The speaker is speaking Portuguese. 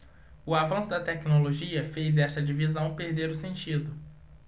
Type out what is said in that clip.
o avanço da tecnologia fez esta divisão perder o sentido